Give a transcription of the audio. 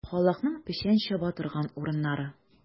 Халыкның печән чаба торган урыннары.